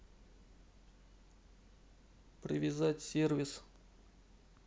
привязать сервис